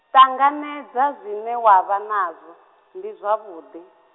ṱanganedza zwine wavha nazwo, ndi zwavhuḓi.